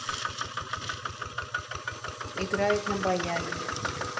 играет на баяне